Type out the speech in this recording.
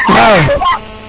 waaw